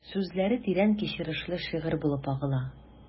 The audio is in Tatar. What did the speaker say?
Сүзләре тирән кичерешле шигырь булып агыла...